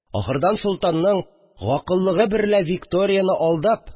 Ахырдан солтанның, гакыллыгы берлә Викторияне алдап